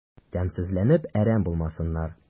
Тәмсезләнеп әрәм булмасыннар...